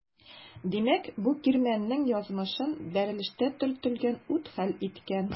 Димәк бу кирмәннең язмышын бәрелештә төртелгән ут хәл иткән.